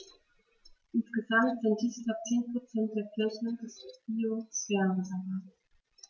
Insgesamt sind dies knapp 10 % der Fläche des Biosphärenreservates.